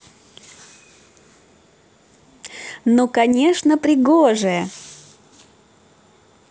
ну конечно пригожая